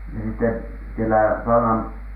ja sitten siellä saunan